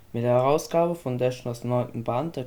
Herausgabe von Deschners neuntem Band